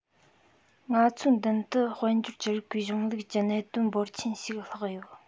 ང ཚོའི མདུན དུ དཔལ འབྱོར གྱི རིགས པའི གཞུང ལུགས ཀྱི གནད དོན འབོར ཆེན ཞིག ལྷགས ཡོད